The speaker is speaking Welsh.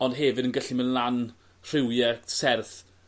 ond hefyd yn gallu myn' lan rhywie serth